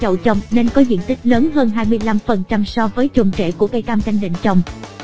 chậu trồng nên có diện tích lớn hơn phần trăm so với chùm rễ của cây cam canh định trồng